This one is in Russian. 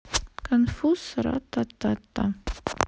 конфуз ратата